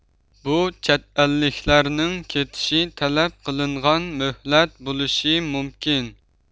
بۇ چەت ئەللىكلەرنىڭ كېتىشى تەلەپ قىلىنغان مۆھلەت بولۇشى مۇمكىن